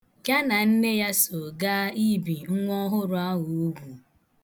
Ya na nne ya so gaa ibi nwa ọhụrụ ahụ ugwu.